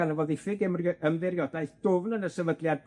o'dd ganno fo ddiffyg emri- ymddiriadaeth dwfn yn y sefydliad